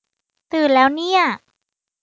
ตื่นแล้วเนี่ย